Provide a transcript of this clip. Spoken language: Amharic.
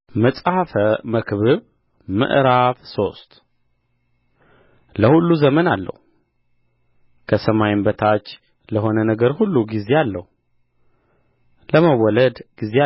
መጽሐፈ መክብብ ምዕራፍ ሶስት ለሁሉ ዘመን አለው ከሰማይ በታችም ለሆነ ነገር ሁሉ ጊዜ አለው ለመወለድ ጊዜ አለው